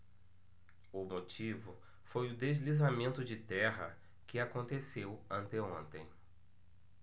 o motivo foi o deslizamento de terra que aconteceu anteontem